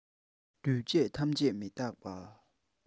འདུས བྱས ཐམས ཅད མི རྟག པ